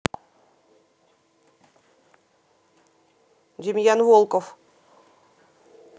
демьян волков